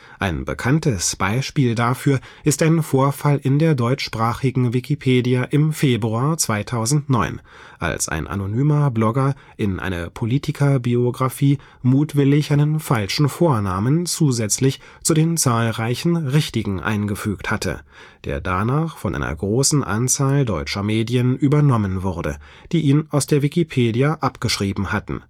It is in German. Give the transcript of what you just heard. Ein bekanntes Beispiel dafür ist ein Vorfall in der deutschsprachigen Wikipedia im Februar 2009, als ein anonymer Blogger in eine Politikerbiografie mutwillig einen falschen Vornamen zusätzlich zu den zahlreichen richtigen eingefügt hatte, der danach von einer großen Anzahl deutscher Medien übernommen wurde, die ihn aus der Wikipedia abgeschrieben hatten